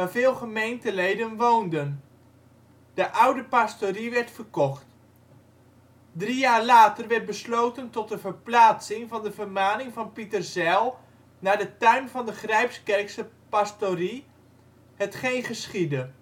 veel gemeenteleden woonden. De oude pastorie werd verkocht. Drie jaar later werd besloten tot de verplaatsing van de vermaning van Pieterzijl naar de tuin van de Grijpskerkse pastorie, hetgeen geschiedde